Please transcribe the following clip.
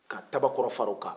ka tabakɔrɔ fara o kan